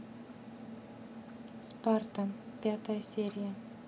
спарта пятая серия